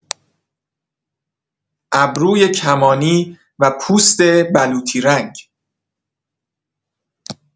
ابروی کمانی و پوست بلوطی‌رنگ